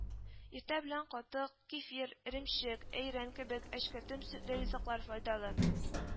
Иртә белән катык, кефир, эремчек, әйрән кебек әчкелтем сөтле ризыклар файдалы